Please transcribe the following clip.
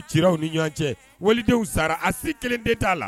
Ciw ni ɲɔgɔn cɛ walidenw sara a si kelen de t'a la